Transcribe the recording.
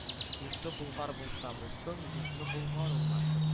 Йорты болгар улса улсын йортны болгар улмасын